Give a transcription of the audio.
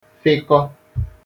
fịkọ